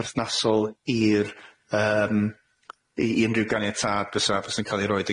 perthnasol i'r yym i i unrhyw ganiatâd fysa fysa'n ca'l 'i roid